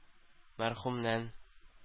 Мәрхүмнән